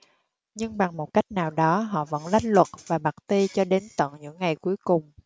nhưng bằng một cách nào đó họ vẫn lách luật và party cho đến tận những ngày cuối cùng